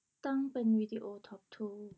ตั้งเป็นวิดีโอทอปทู